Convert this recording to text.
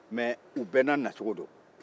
nka u bɛɛ n'a nacogo don